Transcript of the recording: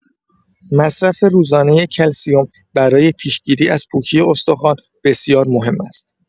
مصرف روزانه کلسیم برای پیش‌گیری از پوکی استخوان بسیار مهم است.